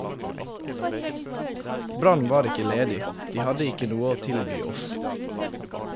Brann var ikke ledig, de hadde ikke noe å tilby oss.